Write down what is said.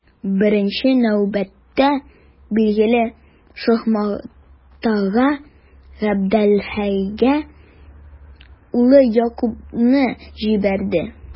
Беренче нәүбәттә, билгеле, Шомгатыга, Габделхәйгә улы Якубны җибәрде.